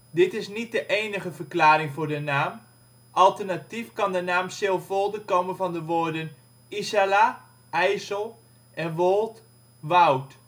Dit is niet de enige verklaring van de naam, alternatief kan de naam Silvolde komen van de woorden Isala (IJssel) en wold (woud